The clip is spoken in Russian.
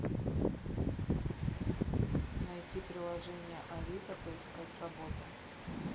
найти приложение авито поискать работу